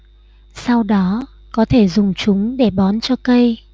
sau đó có thể dùng chúng để bón cho cây